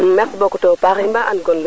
merci beaucoup o tewo paax imba an gon le